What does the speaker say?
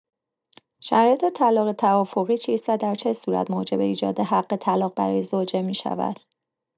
شرایط طلاق توافقی چیست و در چه صورت موجب ایجاد حق طلاق برای زوجه می‌شود؟